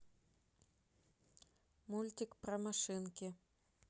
мультик про машинки